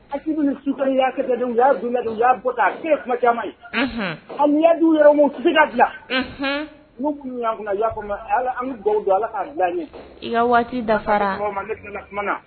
Adu suka ya'adi'a bɔ kuma caman ye andu yɛrɛmubi ka bila nu kun' kunna ya an dugawu don ala' bila ɲɛ i ka waati dafara ne tɛna kuma na